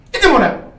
I tɛ mun